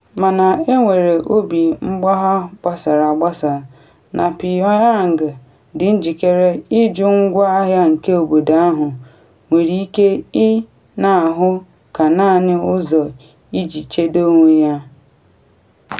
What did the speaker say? Mana enwere obi mgbagha gbasara agbasa na Pyongyang dị njikere ịjụ ngwa agha nke obodo ahụ nwere ike ị na ahụ ka naanị ụzọ iji chedo onwe ya.